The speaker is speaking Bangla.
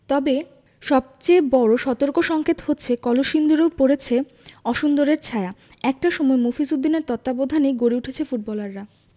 তবে সবচেয়ে বড় সতর্কসংকেত হচ্ছে কলসিন্দুরেও পড়েছে অসুন্দরের ছায়া একটা সময় মফিজ উদ্দিনের তত্ত্বাবধানেই গড়ে উঠেছে ফুটবলাররা